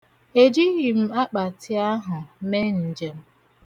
Ejighị m akpatị ahụ mee njem.